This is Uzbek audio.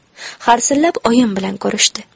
harsillab oyim bilan ko'rishdi